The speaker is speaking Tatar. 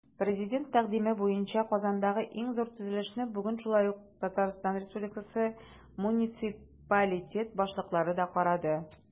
Президент тәкъдиме буенча Казандагы иң зур төзелешне бүген шулай ук ТР муниципалитет башлыклары да карады.